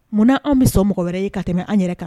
Munna anw bɛ sɔn mɔgɔ wɛrɛ ye ka tɛmɛ an yɛrɛ kan